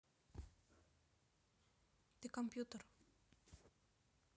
ты компьютер